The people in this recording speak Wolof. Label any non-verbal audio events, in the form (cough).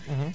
(hesitation) (hesitation)